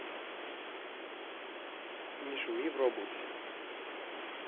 не шуми в роблоксе